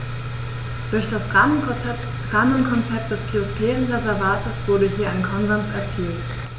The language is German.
Durch das Rahmenkonzept des Biosphärenreservates wurde hier ein Konsens erzielt.